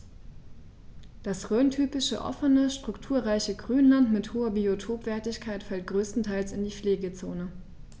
Das rhöntypische offene, strukturreiche Grünland mit hoher Biotopwertigkeit fällt größtenteils in die Pflegezone.